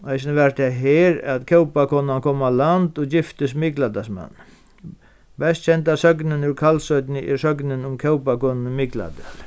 og eisini var tað her at kópakonan kom á land og giftist mikladalsmanni best kenda søgnin úr kalsoynni er søgnin um kópakonuna í mikladali